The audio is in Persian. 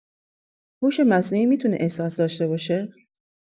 هوش مصنوعی می‌تونه احساس داشته باشه؟